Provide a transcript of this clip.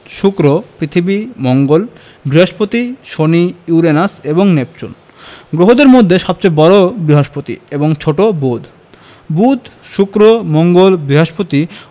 শুক্র পৃথিবী মঙ্গল বৃহস্পতি শনি ইউরেনাস এবং নেপচুন গ্রহদের মধ্যে সবচেয়ে বড় বৃহস্পতি এবং ছোট বুধ বুধ শুক্র মঙ্গল বৃহস্পতি